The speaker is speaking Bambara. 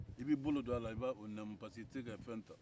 i b'i bolo don a la i b'o nɛmu parce que i tɛ se ka fɛn ta